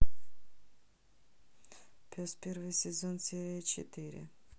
пес первый сезон серия четыре